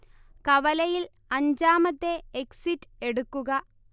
കവലയിൽ അഞ്ചാമത്തെ എക്സിറ്റ് എടുക്കുക